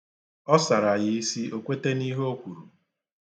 Ọ sàrà ya isi o kwete n'ihe o kwuru.